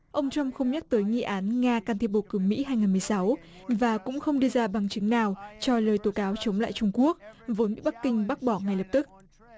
ông troăm không nhắc tới nghi án nga can thiệp bầu cử mỹ hai nghìn mười sáu và cũng không đưa ra bằng chứng nào cho lời tố cáo chống lại trung quốc vốn bắc kinh bác bỏ ngay lập tức